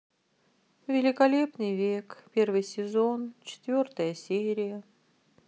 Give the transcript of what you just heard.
великолепный век первый сезон четвертая серия